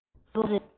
མེ ཏོག མཛེས པོ